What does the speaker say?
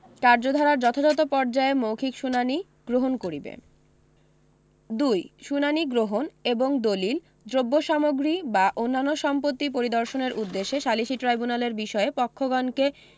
কার্যধারার যথাযথ পর্যায়ে মৌখিক শুনানি গ্রহণ করিবে ২ শুনানী গ্রহণ এবং দলিল দ্রব্যসামগ্রী বা অন্যান্য সম্পত্তি পরিদর্শনের উদ্দেশ্যে সালিসী ট্রাইব্যুনালের বিষয়ে পক্ষগণকে